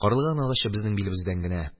Карлыган агачы безнең билебездән генә.